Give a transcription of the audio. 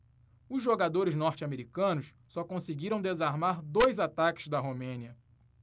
os jogadores norte-americanos só conseguiram desarmar dois ataques da romênia